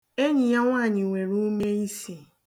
Enyi ya nwaanyị nwere umeisi